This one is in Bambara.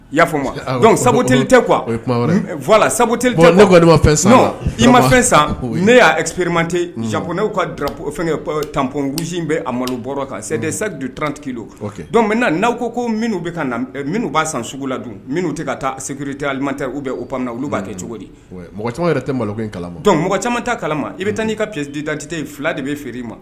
Y'a fɔ dɔnku sabu tɛeli tɛ kuwa sabu ne sa i ma fɛn san ne y'agpirite jako ne kap fɛn tanp gsi bɛ a malo bɔra kand sadu tti don don na n'aw ko minnu minnu u b'a san sugu la don minnu tɛ ka taa segurite alilimate u bɛ oo olu b'a kɛ cogo di mɔgɔ caman yɛrɛ tɛ malo kala ma dɔn mɔgɔ camanma taa kala i bɛ taa' i ka p di dante fila de bɛ feere i ma